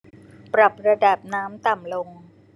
ปรับระดับน้ำต่ำลง